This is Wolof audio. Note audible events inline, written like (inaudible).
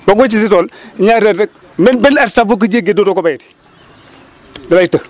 boo ko wëccee ci sa tool (breath) ñaari at rek même benn at rek boo ko jéggee dootoo ko béyati (crosstalk) da lay të